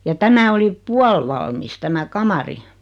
ja tämä oli puolivalmis tämä kamari